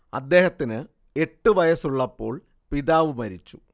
അദ്ദേഹത്തിന് എട്ടു വയസ്സുള്ളപ്പോൾ പിതാവ് മരിച്ചു